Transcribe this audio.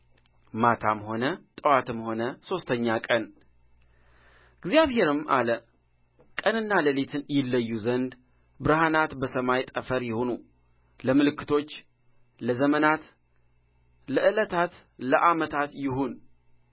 ማታም ሆነ ጥዋትም ሆነ ሦስተኛ ቀን እግዚአብሔርም አለ ቀንና ሌሊትን ይለዩ ዘንድ ብርሃናት በሰማይ ጠፈር ይሁኑ ለምልክቶች ለዘመናት ለዕለታት ለዓመታትም ይሁን